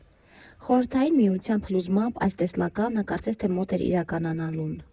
Խորհրդային Միության փլուզմամբ, այս տեսլականը կարծես թե մոտ էր իրականանալուն։